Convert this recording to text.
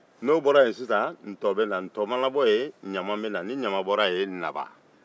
n'o bɔra yen sisan ntɔ bɛ na o kɔfɛ ɲama o mana bɔ yen naba